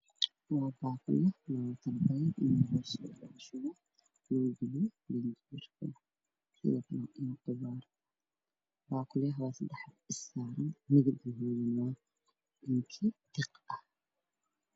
Waa sakalo kooban saddex oo is-dulsal saaran midabkooda yahay beer